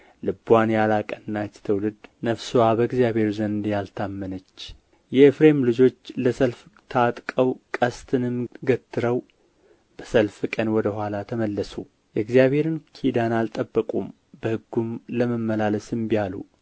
ልብዋን ያላቀናች ትውልድ ነፍስዋ በእግዚአብሔር ዘንድ ያልታመነች የኤፍሬም ልጆች ለሰልፍ ታጥቀው ቀስትንም ገትረው በሰልፍ ቀን ወደ ኋላ ተመለሱ የእግዚአብሔርን ኪዳን አልጠበቁም በሕጉም ለመመላለስ እንቢ አሉ